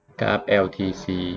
กราฟแอลทีซี